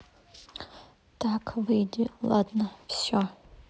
так выйди ладно все